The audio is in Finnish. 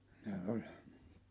ne oli